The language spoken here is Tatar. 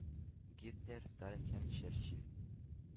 Гитлер, Сталин һәм Черчилль.